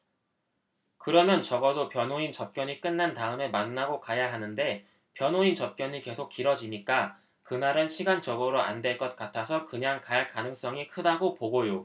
그러면 적어도 변호인 접견이 끝난 다음에 만나고 가야 하는데 변호인 접견이 계속 길어지니까 그날은 시간적으로 안 될 것 같아서 그냥 갈 가능성이 크다고 보고요